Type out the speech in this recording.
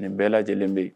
Nin bɛɛ lajɛlenlen bɛ yen